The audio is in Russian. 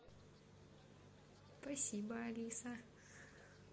спасибо алиса